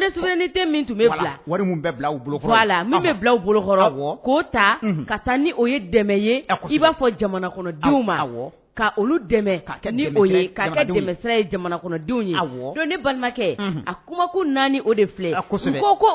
Ne s tun bɛ la min bila u bolo k' ta ka taa ni o ye dɛmɛ ye a i b'a fɔ jamana kɔnɔdenw ma ka olu dɛmɛ sira ye jamana kɔnɔdenw ye a balimakɛ a kokulu naani o de filɛ